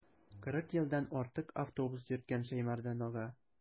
Кырык елдан артык автобус йөрткән Шәймәрдан ага.